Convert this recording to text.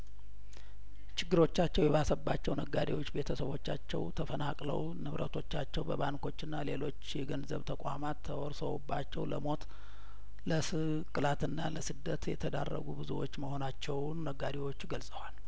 ችግሮቻቸው የባሰባቸው ነጋዴዎች ቤተሰቦቻቸው ተፈናቅለው ንብረቶቻቸው በባንኮችና ሌሎች የገንዘብ ተቋማት ተወርሰውባቸው ለሞት ለስቅላትና ለስደት የተዳረጉ ብዙዎች መሆናቸውን ነጋዴዎቹ ገልጸዋል